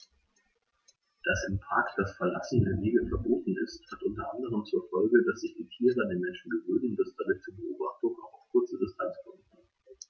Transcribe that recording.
Dass im Park das Verlassen der Wege verboten ist, hat unter anderem zur Folge, dass sich die Tiere an die Menschen gewöhnen und es dadurch zu Beobachtungen auch auf kurze Distanz kommen kann.